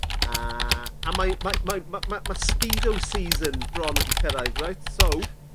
...a a mae mae mae ma' ma' ma' speedo season bron wedi cyrraedd reit, so